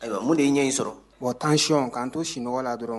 Ayiwa, mun de ye ɲɛ in sɔrɔ ? Bon tension k'an to sunɔgɔ la dɔrɔn